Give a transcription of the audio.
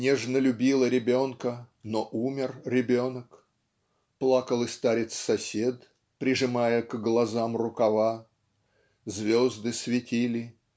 Нежно любила ребенка, но умер ребенок. Плакал и старец-сосед прижимая к глазам рукава Звезды светили